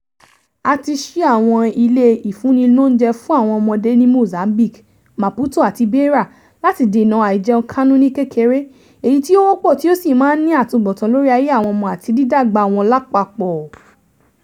A ti ṣí àwọn ilè ìfún-ni-lóúnjẹ fún àwọn ọmọdé ní Mozambique (Maputo àti Beira) láti dènà àìjẹunkánú ní kékeré, èyí tí ó wọ́pọ̀ tí ó sì máa ń ní àtunbọ̀tán lórí ayé àwọn ọmọ àti dídàgbà wọn lápapọ̀.